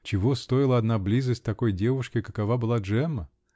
Чего стоила одна близость такой девушки, какова была Джемма!